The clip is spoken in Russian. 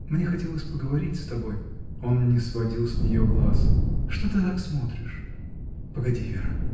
Мне хотелось поговорить с тобой. Он не сводил с нее глаз. — Что ты так смотришь?. — Погоди, Вера!